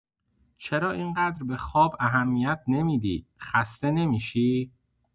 چرا اینقدر به خواب اهمیت نمی‌دی، خسته نمی‌شی؟